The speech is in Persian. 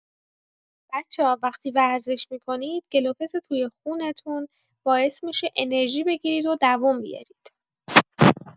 بچه‌ها، وقتی ورزش می‌کنید، گلوکز توی خونتون باعث می‌شه انرژی بگیرید و دووم بیارید.